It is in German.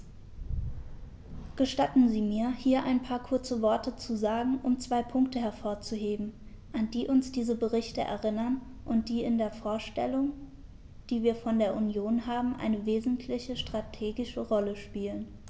Gestatten Sie mir, hier ein paar kurze Worte zu sagen, um zwei Punkte hervorzuheben, an die uns diese Berichte erinnern und die in der Vorstellung, die wir von der Union haben, eine wesentliche strategische Rolle spielen.